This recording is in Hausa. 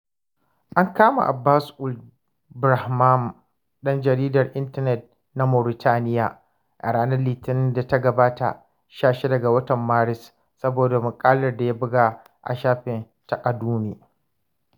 An kama Abbass Ould Brahmam, ɗan jaridar intanet na Mauritania a ranar Litinin da ta gabata 16 ga watan Maris, saboda muƙalar da ya buga a shafin Taqadoumy.